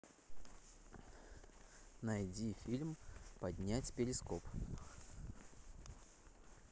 найди фильм поднять перископ